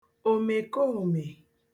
òmèkoòmè